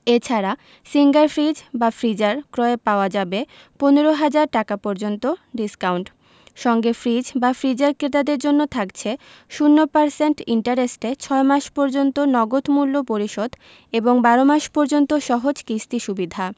এ ছাড়া Singer fridge বা freezer ক্রয়ে পাওয়া যাবে ১৫ ০০০ টাকা পর্যন্ত ডিসকাউন্ট সঙ্গে ফ্রিজ বা ফ্রিজার ক্রেতাদের জন্য থাকছে ০% ইন্টারেস্টে ৬ মাস পর্যন্ত নগদ মূল্য পরিশোধ এবং ১২ মাস পর্যন্ত সহজ কিস্তি সুবিধা